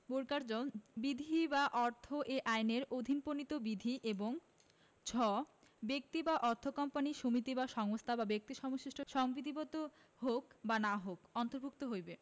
জ বিধি বা অর্থ এই আইনের অধীন প্রণীত বিধি এবং ঝ ব্যক্তি বা অর্থ কোম্পানী সমিতি বা সংস্থা বা ব্যক্তি সমষ্টি সংবিধিবদ্ধ হউক বা না হউক অন্তর্ভুক্ত হইবে